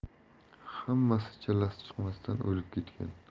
hammasi chillasi chiqmasdan o'lib ketgan